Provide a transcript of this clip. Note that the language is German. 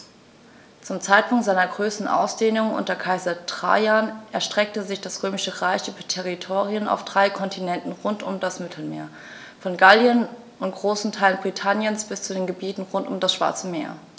Zum Zeitpunkt seiner größten Ausdehnung unter Kaiser Trajan erstreckte sich das Römische Reich über Territorien auf drei Kontinenten rund um das Mittelmeer: Von Gallien und großen Teilen Britanniens bis zu den Gebieten rund um das Schwarze Meer.